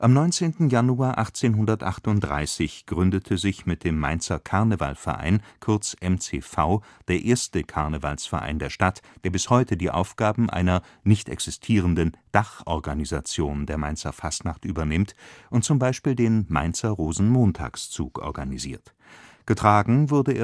19. Januar 1838 gründete sich mit dem Mainzer Carneval-Verein, kurz MCV, der erste Karnevalsverein der Stadt, der bis heute die Aufgaben einer (nicht existierenden) „ Dachorganisation “der Mainzer Fastnacht übernimmt und z. B. den Mainzer Rosenmontagszug organisiert. Getragen wurde